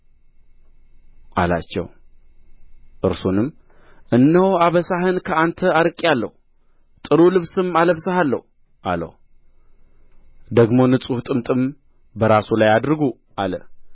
አላቸው እርሱንም እነሆ አበሳህን ከአንተ አርቄአለሁ ጥሩ ልብስም አለብስሃለሁ አለው ደግሞ ንጹሕ ጥምጥም በራሱ ላይ አድርጉ አለ